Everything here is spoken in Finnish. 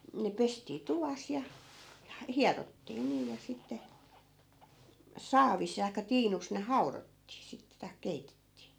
ne pestiin tuvassa ja ja hierottiin niin ja sitten saavissa tai tiinussa ne haudottiin sitten tai keitettiin